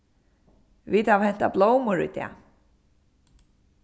vit hava hentað blómur í dag